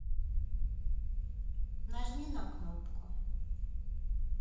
нажми на кнопку